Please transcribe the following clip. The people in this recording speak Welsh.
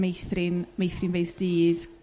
meithrin meithrinfeydd dydd